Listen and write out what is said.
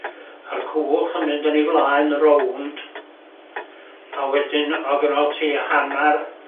a'r cwch yn mynd yn i flaen rownd a wedyn o'dd gyno ti hannar